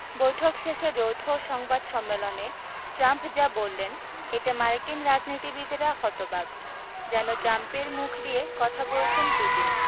বৈঠক শেষে যৌথ সংবাদ সম্মেলনে ট্রাম্প যা বললেন এতে মার্কিন রাজনীতিবিদেরা হতবাক যেন ট্রাম্পের মুখ দিয়ে কথা বলছেন পুতিন